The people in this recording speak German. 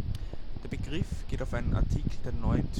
Begriff geht auf einen Artikel der Neuen Zürcher